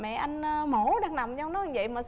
mẹ anh mổ đang nằm trong vậy mà